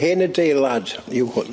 Hen adeilad yw hwn.